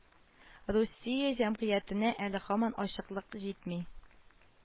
Русия әмгыятенә әле һаман ачыклык итми